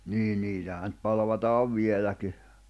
niin niitähän nyt palvataan vieläkin